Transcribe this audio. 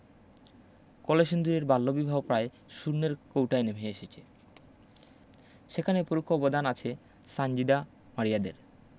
কলসিন্দুরে বাল্যবিবাহ প্রায় শূন্যের কৌটায় নেমে এসেছে সেখানে পরুক্ষ অবদান আছে সানজিদা মারিয়াদের